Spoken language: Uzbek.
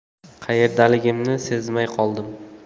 qayerdaligimni sezmay qoldim